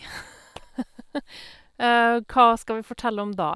Hva skal vi fortelle om da?